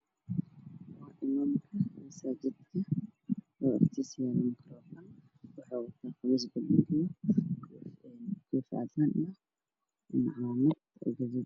Waxaa ii muuqda wadaad salaad tujinaya wadaadka waxa uu wataa khamiis bulugan iyo cimaamad guduudan iyo koofi cad waxana ku daba tukanaya dad fara badan